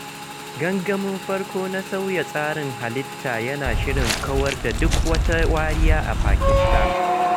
Gangamin farkon na sauya tsarin halitta yana shirin kawar da duk wata wariya a Pakistan